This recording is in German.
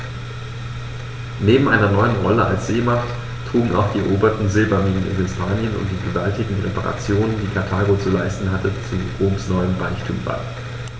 Neben seiner neuen Rolle als Seemacht trugen auch die eroberten Silberminen in Hispanien und die gewaltigen Reparationen, die Karthago zu leisten hatte, zu Roms neuem Reichtum bei.